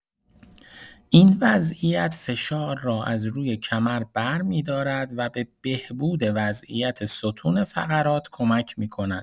این وضعیت فشار را از روی کمر برمی‌دارد و به بهبود وضعیت ستون فقرات کمک می‌کند.